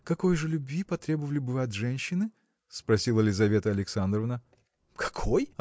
– Какой же любви потребовали бы вы от женщины? – спросила Лизавета Александровна. – Какой?